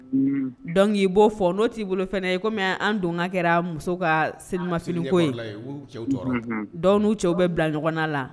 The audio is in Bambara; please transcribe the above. Dɔnku k'io fɔ n'o t'i bolo ye komi an kɛra muso ka semasko cɛw bɛ bila ɲɔgɔn la